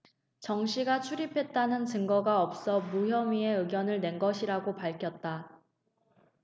정씨가 출입했다는 증거가 없어 무혐의 의견을 낸 것이라고 밝혔다